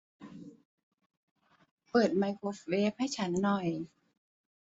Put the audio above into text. เปิดไมโครเวฟให้ฉันหน่อย